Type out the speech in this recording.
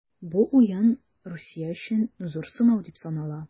Бу уен Русия өчен зур сынау дип санала.